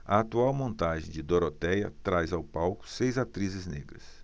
a atual montagem de dorotéia traz ao palco seis atrizes negras